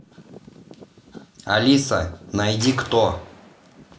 алиса найди кто